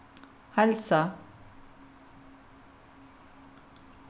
heilsa